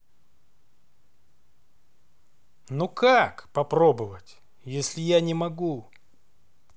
ну как попробовать если я не могу